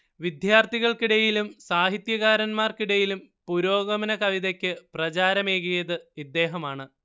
വിദ്യാർഥികൾക്കിടയിലും സാഹിത്യകാരന്മാർക്കിടയിലും പുരോഗമന കവിതയ്ക്ക് പ്രചാരമേകിയത് ഇദ്ദേഹമാണ്